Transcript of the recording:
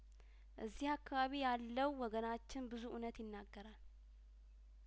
እዚህ አካባቢ ያለው ወገናችን ብዙ እውነት ይናገራል